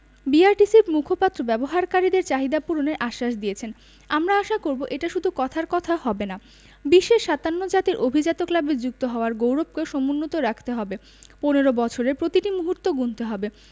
বিটিআরসির মুখপাত্র ব্যবহারকারীদের চাহিদা পূরণের আশ্বাস দিয়েছেন আমরা আশা করব এটা শুধু কথার কথা হবে না বিশ্বের ৫৭ জাতির অভিজাত ক্লাবে যুক্ত হওয়ার গৌরবকে সমুন্নত রাখতে হবে ১৫ বছরের প্রতিটি মুহূর্ত গুনতে হবে